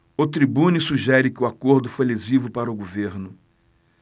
o tribune sugere que o acordo foi lesivo para o governo